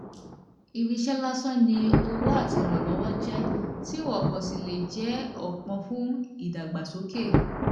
Irinṣẹ́ lásán ni owó àti ìrànlọ́wọ́ jẹ́ tí wọn kò sì lè jẹ́ òpó fún ìdàgbàsókè.